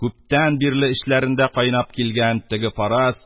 Күптән бирле эчләрендә кайнап килгән «теге фараз»